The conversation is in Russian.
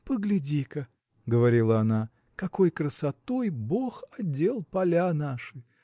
– Погляди-ка, – говорила она, – какой красотой бог одел поля наши!